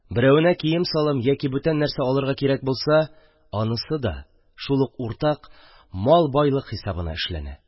Берәвенә кием-салым яки бүтән нәрсә алырга кирәк булса, анысы да шул уртак мал-байлык хисабына эшләнә.